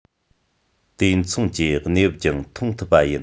དེ མཚུངས ཀྱི གནས བབ ཀྱང མཐོང ཐུབ པ ཡིན